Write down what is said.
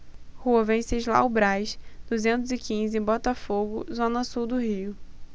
rua venceslau braz duzentos e quinze botafogo zona sul do rio